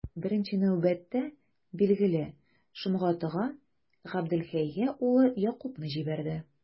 Беренче нәүбәттә, билгеле, Шомгатыга, Габделхәйгә улы Якубны җибәрде.